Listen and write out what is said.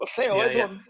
Wel lle oedd hwn?